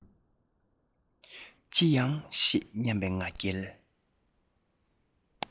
ཅི ཡང ཤེས སྙམ པའི ང རྒྱལ